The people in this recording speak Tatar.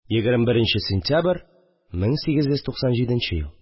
21 нче сентябрь, 1897 ел